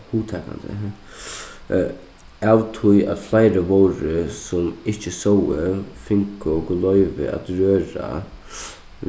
hugtakandi av tí at fleiri vóru sum ikki sóu fingu okur loyvi at røra